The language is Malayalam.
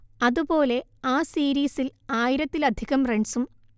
അതുപോലെ ആ സീരീസിൽ ആയിരത്തിലധികം റൺസും